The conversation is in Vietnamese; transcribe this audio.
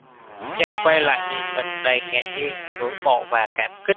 chàng quay lại nhìn mình đầy ngạc nhiên ngưỡng mộ và cảm kích